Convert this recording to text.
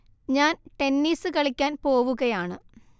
ഞാൻ ടെന്നിസ് കളിക്കാൻ പോവുകയാണ്